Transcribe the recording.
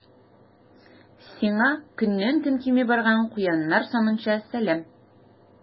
Сиңа көннән-көн кими барган куяннар санынча сәлам.